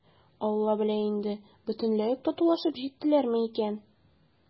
«алла белә инде, бөтенләй үк татулашып җиттеләрме икән?»